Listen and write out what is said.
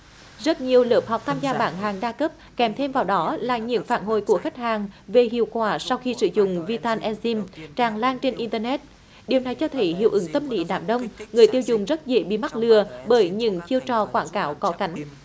rất nhiều lớp học tham gia bán hàng đa cấp kèm thêm vào đó là những phản hồi của khách hàng về hiệu quả sau khi sử dụng vi tan e dim tràn lan trên in tơ nét điều này cho thấy hiệu ứng tâm lý đám đông người tiêu dùng rất dễ bị mắc lừa bởi những chiêu trò quảng cáo có cánh